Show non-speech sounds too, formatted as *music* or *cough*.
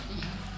*hesitation* *hesitation*